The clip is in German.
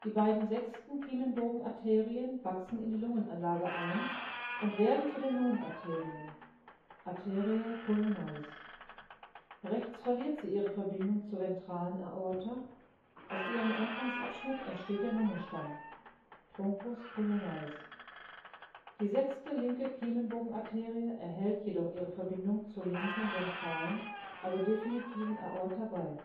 beiden sechsten Kiemenbogenarterien wachsen in die Lungenanlage ein und werden zu den Lungenarterien (Arteriae pulmonales). Rechts verliert sie ihre Verbindung zur ventralen Aorta, aus ihrem Anfangsabschnitt entsteht der Lungenstamm (Truncus pulmonalis). Die sechste linke Kiemenbogenarterie erhält jedoch ihre Verbindung zur linken ventralen, also definitiven Aorta bei